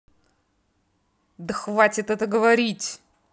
да хватит это говорить